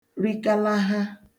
rikalaha